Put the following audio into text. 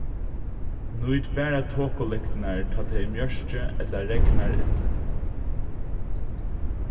nýt bara tokulyktirnar tá tað er mjørki ella regnar illa